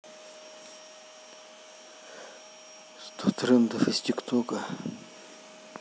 сто трендов из тик тока